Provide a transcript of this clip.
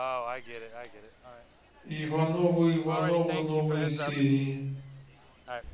ивановы ивановы новые серии